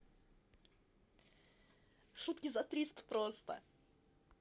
шутки за триста просто